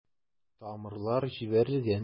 Тамырлар җибәрелгән.